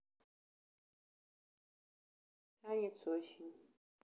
танец осень